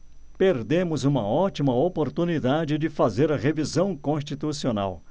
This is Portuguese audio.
perdemos uma ótima oportunidade de fazer a revisão constitucional